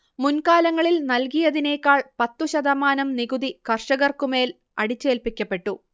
മുൻകാലങ്ങളിൽ നൽകിയതിനേക്കാൾ പത്തുശതമാനം നികുതി കർഷകർക്കുമേൽ അടിച്ചേൽപ്പിക്കപ്പെട്ടു